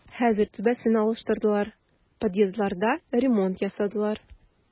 Хәзер түбәсен алыштырдылар, подъездларда ремонт ясадылар.